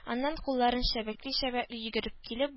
Аннан, кулларын чәбәкли-чәбәкли йөгереп килеп